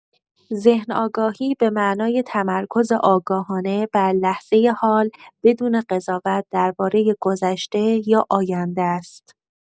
ذهن‌آگاهی به معنای تمرکز آگاهانه بر لحظۀ حال، بدون قضاوت دربارۀ گذشته یا آینده است.